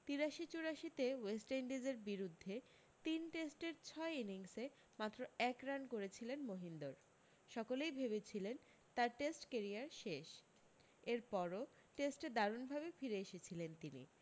তিরাশি চুরাশিতে ওয়েস্ট ইন্ডিজের বিরুদ্ধে তিন টেস্টের ছয় ইনিংসে মাত্র এক রান করেছিলেন মহিন্দর সকলেই ভেবেছিলেন তার টেস্ট কেরিয়ার শেষ এরপরও টেস্টে দারুণভাবে ফিরে এসেছিলেন তিনি